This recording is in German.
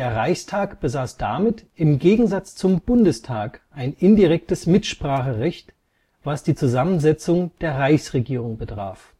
Reichstag besaß damit im Gegensatz zum Bundestag ein indirektes Mitspracherecht, was die Zusammensetzung der Reichsregierung betraf